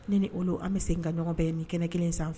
Ni ni olu an bɛ segin n ka ɲɔgɔn bɛn nin kɛnɛ kelen in san